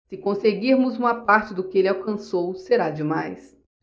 se conseguirmos uma parte do que ele alcançou será demais